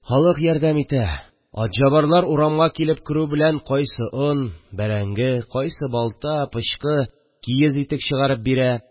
Халык ярдәм итә – Атҗабарлар урамга килеп керү белән кайсы он, бәрәңге, кайсы балта, пычкы, киез итек чыгарып бирә